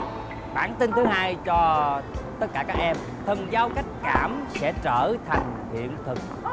bản tin thứ hai cho tất cả các em thần giao cách cảm sẽ trở thành hiện thực